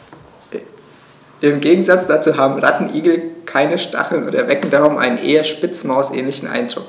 Im Gegensatz dazu haben Rattenigel keine Stacheln und erwecken darum einen eher Spitzmaus-ähnlichen Eindruck.